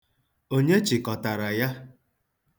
Onye chịkọtara ya?